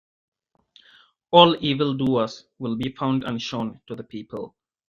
All evil-doers will be found and shown to the people.